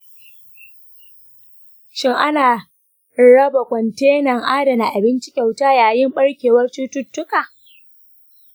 shin ana raba kwantenan adana abinci kyauta yayin ɓarkewar cututtuka?